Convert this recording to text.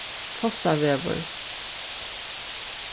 fossavegur